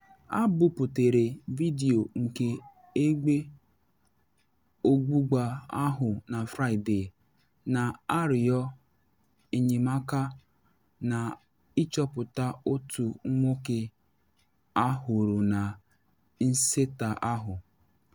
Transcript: Ha buputere vidio nke egbe ọgbụgba ahụ na Fraịde, na arịọ enyemaka na ịchọpụta otu nwoke ahụrụ na nseta ahụ.